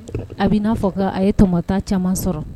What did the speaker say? A bɛ n'a fɔ ka a ye tɔmɔta caman sɔrɔ